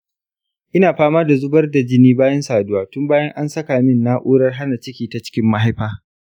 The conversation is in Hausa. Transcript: ina fama da zubar da jini bayan saduwa tun bayan an saka min na’urar hana ciki ta cikin mahaifa.